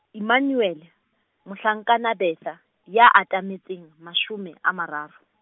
Emmanuele, mohlankana Bertha, ya atametseng mashome, a mararo.